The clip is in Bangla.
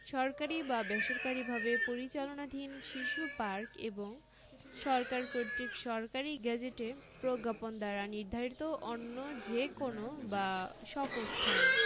সরকারী বা বেসরকারিভাবে পরিচালনাধীন শিশু পার্ক এবং সরকার কর্তৃক সরকারী গেজেটে প্রজ্ঞাপন দ্বারা নির্ধারিত অন্য যে কোন বা সকল স্থান